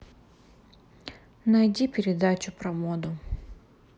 найди передачу про моду